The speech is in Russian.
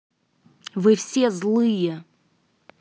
вы все злые